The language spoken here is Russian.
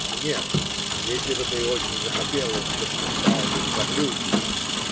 Вовсе нет; если бы ты и очень захотел их, так не стал бы лизоблюдничать.